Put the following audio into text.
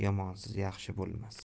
yomonsiz yaxshi bo'lmas